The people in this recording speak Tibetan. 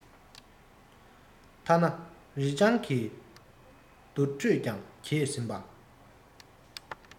ཐ ན རི སྤྱང གི འདུར འགྲོས ཀྱང གྱེས ཟིན པས